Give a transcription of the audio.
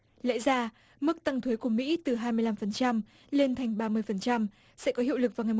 lẽ ra mức tăng thuế của mỹ từ hai mươi lăm phần trăm lên thành ba mươi phần trăm sẽ có hiệu lực vào ngày